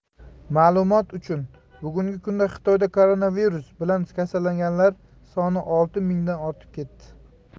ma'lumot uchun bugungi kunda xitoyda koronavirus bilan kasallanganlar soni olti mingdan ortib ketdi